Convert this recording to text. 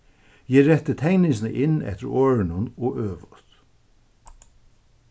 eg rætti tekningina inn eftir orðunum og øvut